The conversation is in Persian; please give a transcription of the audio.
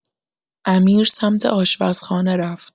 امیر سمت آشپزخانه رفت.